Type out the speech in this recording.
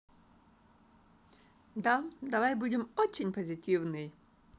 да давай будем очень позитивный